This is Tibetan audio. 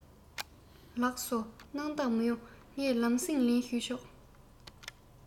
ལགས སོ སྣང དག མི ཡོང ལམ སེང ལན ཞུས ཆོག